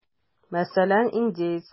Мәсәлән, индеецлар.